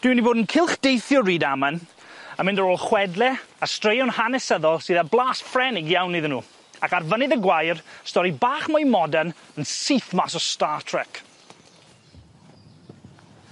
Dwi myn' i bod yn cylch deithio Rydaman a mynd ar ôl chwedle a straeon hanesyddol sydd â blas Ffrenig iawn iddyn n'w ac ar fynydd y gwair stori bach mwy modern yn syth mas o Star Trek.